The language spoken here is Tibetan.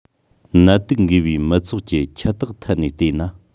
ནད དུག འགོས པའི མི ཚོགས ཀྱི ཁྱད རྟགས ཐད ནས བལྟས ན